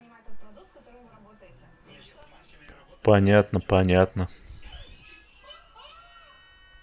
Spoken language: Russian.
понятно понятно